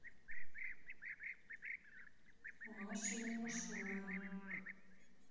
маша и мишуня